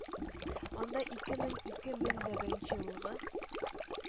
Анда ике мең-ике мең дә беренче елгы